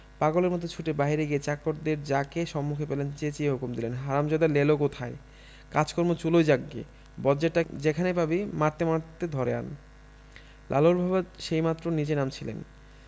পাগলের মত ছুটে বাহিরে গিয়ে চাকরদের যাকে সুমুখে পেলেন চেঁচিয়ে হুকুম দিলেন হারামজাদা লেলো কোথায় কাজকর্ম চুলোয় যাক গে বজ্জাতটাকে যেখানে পাবি মারতে মারতে ধরে আন্ লালুর বাবা সেইমাত্র নীচে নামছিলেন